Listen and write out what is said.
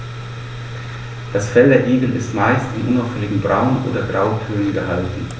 Das Fell der Igel ist meist in unauffälligen Braun- oder Grautönen gehalten.